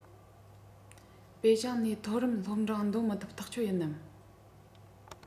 པེ ཅིང ནས མཐོ རིམ སློབ འབྲིང འདོན མི ཐུབ ཐག ཆོད ཡིན ནམ